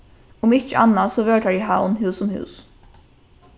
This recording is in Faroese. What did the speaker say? um ikki annað so vóru tær í havn hús um hús